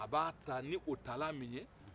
a b'a ta nin o talan min ye